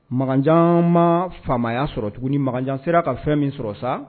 Makanjan ma faamaya sɔrɔ tuguni ni makanjan sera ka fɛn min sɔrɔ sa